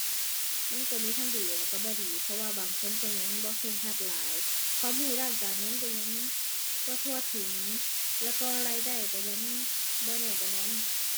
มันก็มีทั้งดีและก็บ่ดี เพราะว่าบางคนก็ยังบ่เคร่งครัดหลาย ความรู้ด้านการเงินก็ยังบ่ทั่วถึง แล้วก็รายได้ก็ยังบ่แน่บ่นอน